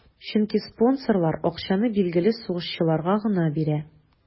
Чөнки спонсорлар акчаны билгеле сугышчыларга гына бирә.